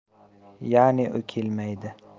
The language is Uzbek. ya'ni u kelmaydi